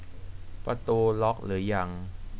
ประตูล็อคหรือยัง